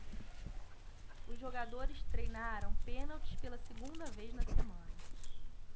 os jogadores treinaram pênaltis pela segunda vez na semana